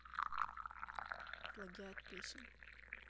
плагиат песен